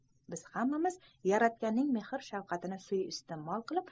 biz hammamiz yaratganning mehr shafqatini suiiste'mol qilib